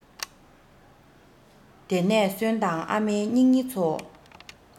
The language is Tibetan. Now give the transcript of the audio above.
དེ ནས གསོན དང ཨ མའི སྙིང ཉེ ཚོ